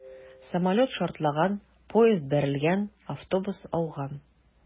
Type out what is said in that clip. Самолет шартлаган, поезд бәрелгән, автобус ауган...